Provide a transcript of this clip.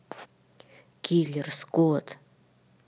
killer скот